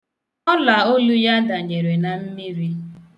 Ọlaolu ya danyere na mmiri.